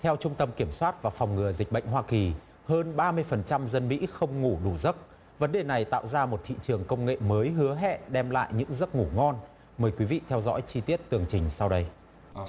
theo trung tâm kiểm soát và phòng ngừa dịch bệnh hoa kỳ hơn ba mươi phần trăm dân mỹ không ngủ đủ giấc vấn đề này tạo ra một thị trường công nghệ mới hứa hẹn đem lại những giấc ngủ ngon mời quý vị theo dõi chi tiết tường trình sau đây